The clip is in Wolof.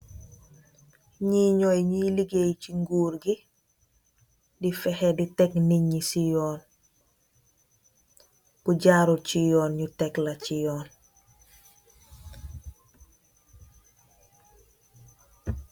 Ñgi ñoy ñgi ligeey ci nguur ngi, di fexeh di tek nit ñi ci yon, ku jarut ci yon ñu tek laci yon.